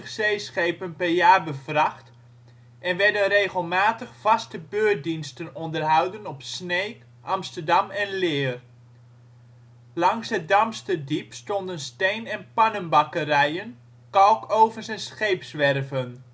zeeschepen per jaar bevracht en werden regelmatig vaste beurtdiensten onderhouden op Sneek, Amsterdam en Leer. Langs het Damsterdiep stonden steen - en pannenbakkerijen, kalkovens en scheepswerven